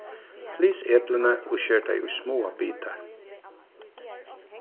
flys eplini og sker tey í smáar bitar